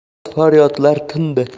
dod faryodlar tindi